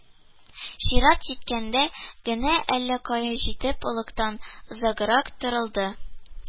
Чират җиткәндә генә әллә кая җитеп олакты, озаграк торылды